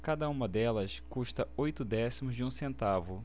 cada uma delas custa oito décimos de um centavo